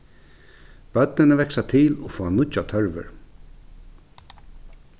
børnini vaksa til og fáa nýggjar tørvir